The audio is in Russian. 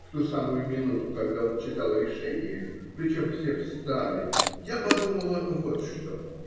В ту самую минуту, когда он читал решение, причем все встали, я подумала вот что